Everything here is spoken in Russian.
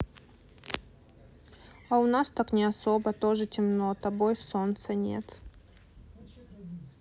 а у нас так не особо тоже темно тобой солнца нет